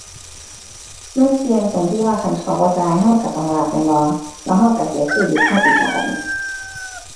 มันเสี่ยงตรงที่ว่าคันเขาบ่จ่ายเราเราต้องรับแม่นบ่ แล้วเราเราเสียเครดิตเราอีกล่ะบัดนี้